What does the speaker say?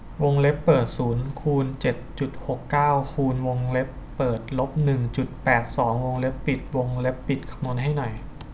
วงเล็บเปิดศูนย์คูณเจ็ดจุดหกเก้าคูณวงเล็บเปิดลบหนึ่งจุดแปดสองวงเล็บปิดวงเล็บปิดคำนวณให้หน่อย